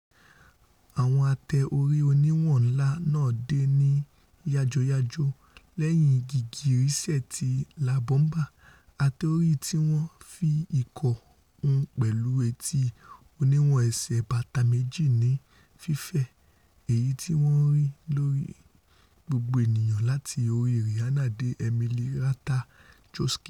Àwọn ate-ori oníwọn-ńlá náà dé ní yàjóyàjó lẹ́yìn gìgìrísẹ̀ ti 'La Bomba', ate-ori tíwọn fi ìko hun pẹ̀lú etí oníwọn ẹsẹ̀ bàtà méjì ní fífẹ̀ èyití wọ́n ńrí lórí gbogbo ènìyàn láti orí Rihanna dé Emily Ratajkowski.